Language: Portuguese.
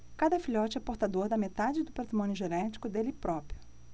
cada filhote é portador da metade do patrimônio genético dele próprio